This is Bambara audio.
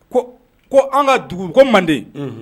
Ko ani ka dugu ko m Manden.